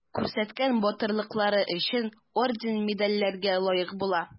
Күрсәткән батырлыклары өчен орден-медальләргә лаек була.